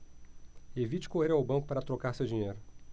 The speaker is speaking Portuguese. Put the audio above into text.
evite correr ao banco para trocar o seu dinheiro